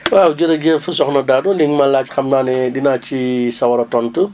waaw jërëjëf soxna Dado li nga ma laaj xam naa ne dinaa ci sawar a tontu